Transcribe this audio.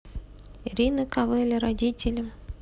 ирина калеви родители